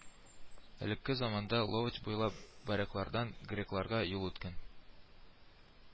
Элекке заманда Ловать буйлап варяглардан грекларга юл үткән